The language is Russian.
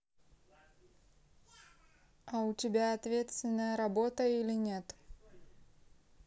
а у тебя ответственная работа или нет